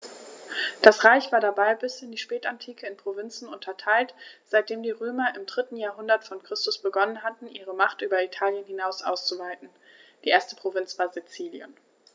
Das Reich war dabei bis in die Spätantike in Provinzen unterteilt, seitdem die Römer im 3. Jahrhundert vor Christus begonnen hatten, ihre Macht über Italien hinaus auszuweiten (die erste Provinz war Sizilien).